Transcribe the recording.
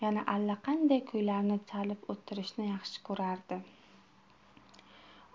yana allaqanday kuylarni chalib o'tirishni yaxshi ko'rardi